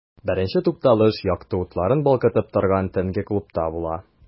Беренче тукталыш якты утларын балкытып торган төнге клубта була.